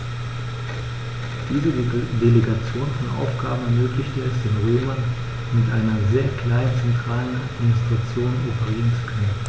Diese Delegation von Aufgaben ermöglichte es den Römern, mit einer sehr kleinen zentralen Administration operieren zu können.